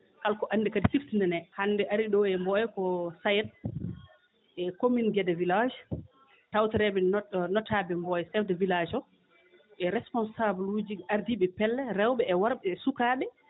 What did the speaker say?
kala ko anndi kadi siftinanee hannde ari ɗo e Mboyo ko SAED e commune Guédé village tawtoreeɓe notaabe ngo e chef de village o e responsable uji ardiiɓe pelle rewɓe e worɓe e sukaaɓe